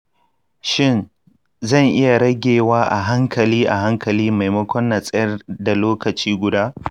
shin zan iya ragewa a hankali a hankali maimakon na tsayar da lokaci guda?